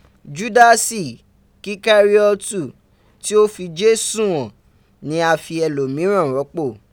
Judasi Kikariotu ti o fi Jesu han ni a fi elomiran ropo